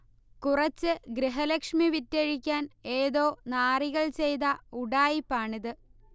കുറച്ച് ഗൃഹലക്ഷ്മി വിറ്റഴിക്കാൻ ഏതോ നാറികൾ ചെയ്ത ഉഡായിപ്പാണിത്